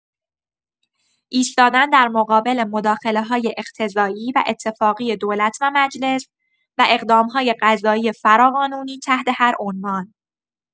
ایستادن در مقابل مداخله‌های اقتضایی و اتفاقی دولت و مجلس، و اقدام‌های قضایی فراقانونی تحت هر عنوان